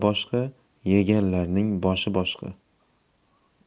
boshqa yeganlarning boshi qashqa